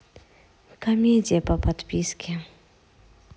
комедия по подписке